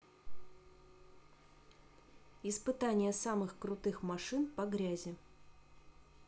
испытание самых крутых машин по грязи